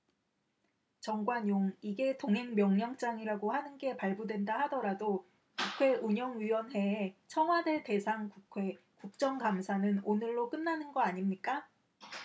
정관용 이게 동행명령장이라고 하는 게 발부된다 하더라도 국회 운영위원회의 청와대 대상 국회 국정감사는 오늘로 끝나는 거 아닙니까